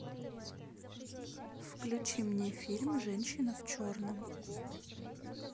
включи мне фильм женщина в черном